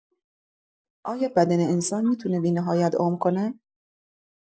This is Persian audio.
آیا بدن انسان می‌تونه بی‌نهایت عمر کنه؟